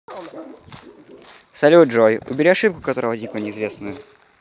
салют джой убери ошибку которая возникла неизвестную